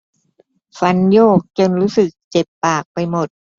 ฟันโยกจนรู้สึกเจ็บปากไปหมด